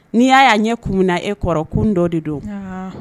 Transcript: N'i y'a y'a ɲɛ kumuna e kɔrɔ kun dɔ de don ɔnnn